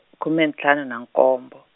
khume ntlhanu na nkombo.